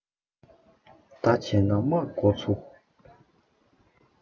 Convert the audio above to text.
ད བྱས ན དམག སྒོ ཚུགས